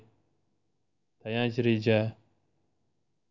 tayanch reja